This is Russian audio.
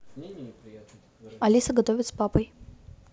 алиса готовит с папой